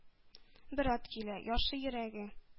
Бер ат килә, ярсый йөрәге.